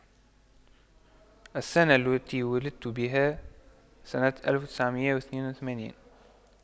السنة التي ولدت بها سنة ألف وتسعمئة وإثنين وثمانين